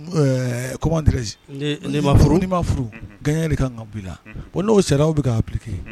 Ɛɛ comment direge nin ma furu , gɛɲɛ de kan ka bɔ i la. bon no sariyaw bi ka appliqué